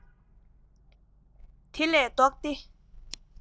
དེ ལས ལྡོག ཏེ